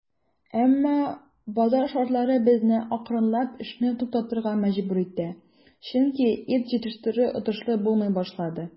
Әмма базар шартлары безне акрынлап эшне туктатырга мәҗбүр итә, чөнки ит җитештерү отышлы булмый башлады.